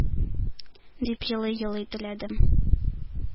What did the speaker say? – дип, елый-елый теләдем.